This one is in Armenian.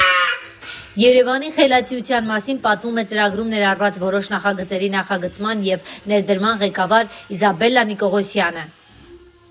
Երևանի խելացիության մասին պատմում է ծրագրում ներառված որոշ նախագծերի նախագծման և ներդրման ղեկավար Իզաբելլա Նիկողոսյանը։